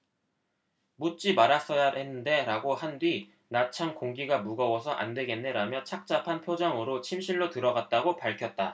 묻지 말았어야 했는데 라고 한 뒤 나 참 공기가 무거워서 안 되겠네라며 착잡한 표정으로 침실로 들어갔다고 밝혔다